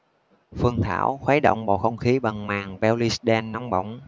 phương thảo khuấy động bầu không khí bằng màn belly dance nóng bỏng